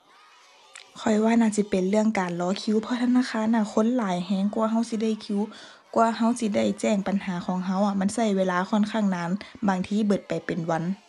ข้อยว่าน่าสิเป็นเรื่องการรอคิวเพราะธนาคารน่ะคนหลายแรงกว่าแรงสิได้คิว กว่าแรงสิได้แจ้งปัญหาของแรงอะ มันแรงเวลาค่อนข้างนาน บางทีเบิดไปเป็นวัน